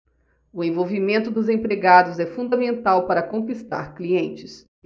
o envolvimento dos empregados é fundamental para conquistar clientes